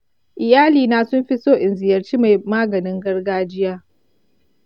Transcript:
iyalina sun fi so in ziyarci mai maganin gargajiya .